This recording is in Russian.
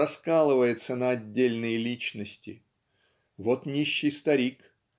раскалывается на отдельные личности. Вот нищий старик.